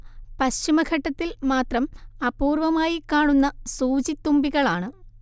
പശ്ചിമഘട്ടത്തിൽ മാത്രം അപൂർവ്വമായി കാണുന്ന സൂചിത്തുമ്പികളാണ്